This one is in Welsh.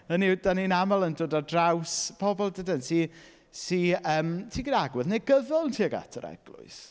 Hynny yw dan ni'n aml yn dod ar draws pobl dyde-... sy sy yym sy gyda agwedd negyddol tuag at yr Eglwys.